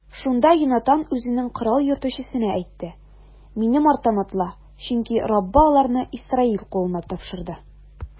Шунда Йонатан үзенең корал йөртүчесенә әйтте: минем арттан атла, чөнки Раббы аларны Исраил кулына тапшырды.